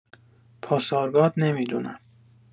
پاسارگاد نمی‌دونم